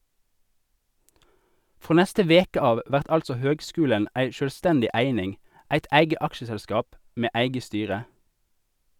Frå neste veke av vert altså høgskulen ei sjølvstendig eining, eit eige aksjeselskap med eige styre.